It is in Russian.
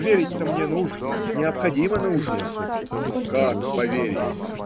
Верить-то мне нужно, необходимо нужно, но как поверить?